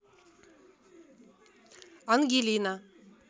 ангелина